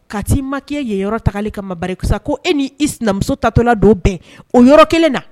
Ka'i ma k'e ye yɔrɔ tali ka mamarisa ko e ni i sinamuso tatɔla don bɛn o yɔrɔ kelen na